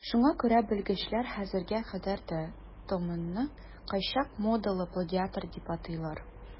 Шуңа күрә белгечләр хәзергә кадәр де Томонны кайчак модалы плагиатор дип атыйлар.